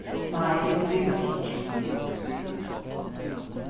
nei vit skriva ikki